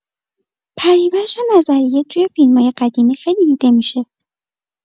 پریوش نظریه تو فیلمای قدیمی خیلی دیده می‌شه.